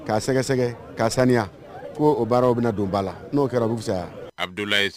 K'a sɛgɛsɛ k'a saniya ko o baaraw bɛna na don b'a la n'o kɛra fisa